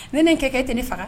Ne ni kɛ kɛ tɛ ne faga